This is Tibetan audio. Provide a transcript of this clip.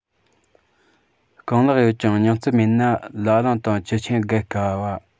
རྐང ལག ཡོད ཀྱང སྙིང རྩལ མེད ན ལ ལུང དང ཆུ ཆེན རྒལ དཀའ བ